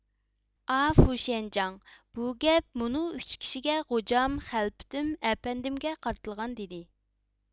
ئا فۇشيەنجاڭ بۇ گەپ مۇنۇ ئۈچ كىشىگە غوجام خەلپىتىم ئەپەندىمگە قارىتىلغان دىدى